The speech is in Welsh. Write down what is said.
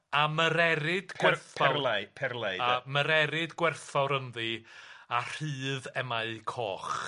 A myrerid gwerthfawr... Per- perlau perlau de. A myrerid gwerthfawr ynddi a rhydd emau coch.